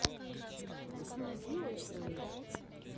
ты убила что ли